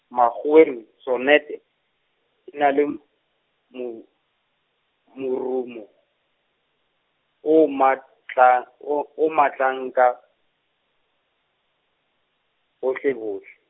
Makgoweng, sonete, o na le m-, mo-, morumo o matla-, o, o mathang ka hohle hohle.